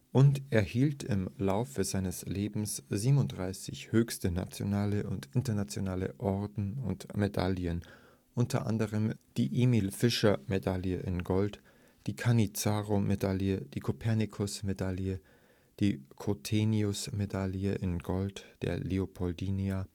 und erhielt im Laufe seines Lebens 37 höchste nationale und internationale Orden und Medaillen, u. a. die Emil-Fischer-Medaille in Gold, die Cannizzaro-Medaille, die Kopernikus-Medaille, die Cothenius-Medaille in Gold der Leopoldina